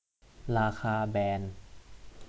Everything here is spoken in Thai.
ราคาแบรนด์